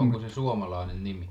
onko se suomalainen nimi